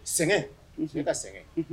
Sɛgɛn f'i ka sɛgɛn